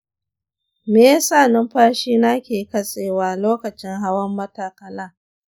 me ya sa numfashina ke katsewa lokacin hawan matakala?